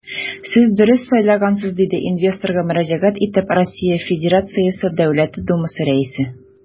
Сез дөрес сайлагансыз, - диде инвесторга мөрәҗәгать итеп РФ Дәүләт Думасы Рәисе.